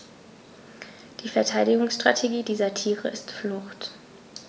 Die Verteidigungsstrategie dieser Tiere ist Flucht.